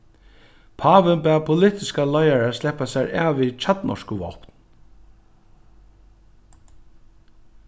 pávin bað politiskar leiðarar sleppa sær av við kjarnorkuvápn